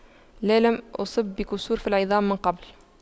لا لم أصب بكسور في العظام من قبل